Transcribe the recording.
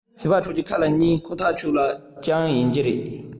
བྱིས པ ཁྱོད ཀྱིས ཁ ལ མ ཉན ན ཁོ ཐག ཁྱོད ལ གཅར ཡིན གྱི རེད